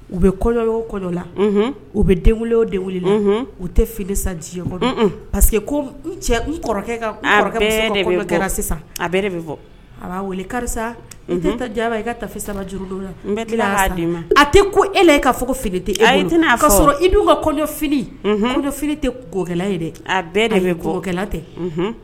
U bɛ kɔ o kɔyɔ la u bɛ den ola u tɛ fini sa dikɔ pa que ko cɛ a a b'a weele karisa ta jaba i ka tafe sabaj juru don la ma a tɛ ko e e ka fɔ tɛ sɔrɔ i dun ka kɔff tɛ kɔkɛla ye dɛ a bɛɛ de bɛ tɛ